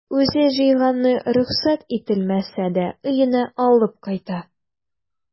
Үзе җыйганны рөхсәт ителмәсә дә өенә алып кайта.